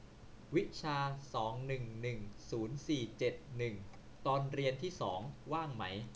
วิชาสองหนึ่งหนึ่งศูนย์สี่เจ็ดหนึ่งตอนเรียนที่สองว่างไหม